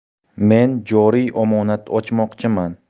men joriy omonat ochmoqchiman